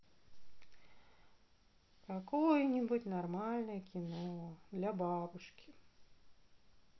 какое нибудь нормальное кино для бабушки